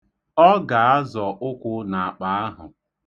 Ọ ga-azọ ụkwụ n'akpa ahụ.